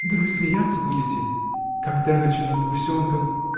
— Да вы смеяться будете, как давеча над гусенком.